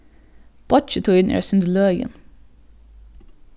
beiggi tín er eitt sindur løgin